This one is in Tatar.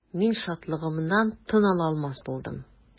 Мин шатлыгымнан тын ала алмас булдым.